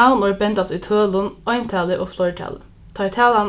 navnorð bendast í tølum eintali og fleirtali tá ið talan